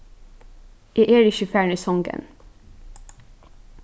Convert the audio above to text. eg eri ikki farin í song enn